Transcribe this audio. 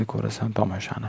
ko'rasan tomoshani